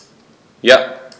Ja.